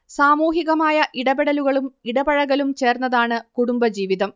സാമൂഹികമായ ഇടപെടലുകളും ഇടപഴകലും ചേർന്നതാണ് കുടുംബജീവിതം